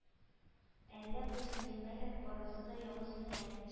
Әллә бу сәлимәләр барысы да явыз микән